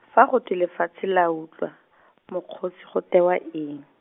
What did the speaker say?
fa go twe lefatshe la utlwa, mokgosi go tewa eng?